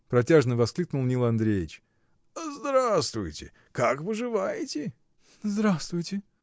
— протяжно воскликнул Нил Андреич, — здравствуйте, как поживаете? — Здравствуйте!